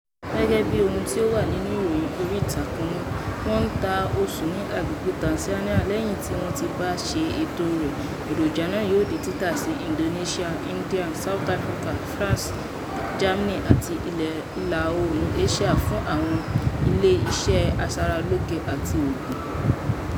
Gẹ́gẹ́ bí ohun tí ó wà nínú ìròyìn orí ìtàkùn náà, wọ́n ń ta osùn ní agbègbè Tanzania lẹ́yìn tí wọ́n bá ṣe ètò rẹ̀, èròjà náà yóò di títa "sí Indonesia, India, South Africa, France, Germany àti ìlà oòrùn Asia fún àwọn ilé iṣẹ́ aṣaralóge àti oògùn".